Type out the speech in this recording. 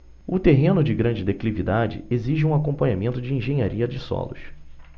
o terreno de grande declividade exige um acompanhamento de engenharia de solos